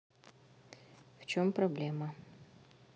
в чем проблема